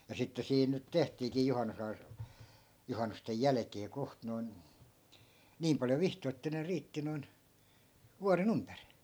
ja sitten siinä nyt tehtiinkin - juhannusten jälkeen kohta noin niin paljon vihtoja että ne riitti noin vuoden ympäri